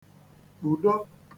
kpùdo